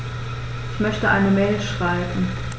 Ich möchte eine Mail schreiben.